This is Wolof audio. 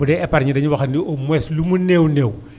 bu dee épargne dañuy waxaat ne au moins lu mu néew néew